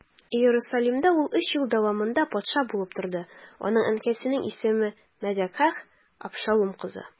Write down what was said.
Иерусалимдә ул өч ел дәвамында патша булып торды, аның әнкәсенең исеме Мәгакәһ, Абшалум кызы.